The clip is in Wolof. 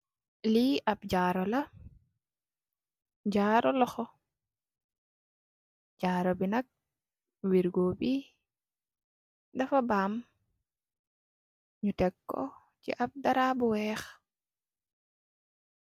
Li ap jarrula jarru luhu jarru bi nak wurgu bi dafa bam nyu teku ap darah bu wekh